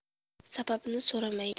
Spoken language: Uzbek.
sababini so'ramaydi